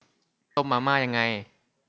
ต้มมาม่ายังไง